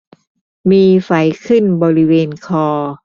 มีไฝขึ้นบริเวณคอ